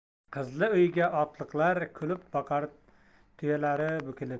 qizli uyga otliqlar kulib boqar tuyalilar bukilib